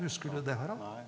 husker du det, Harald?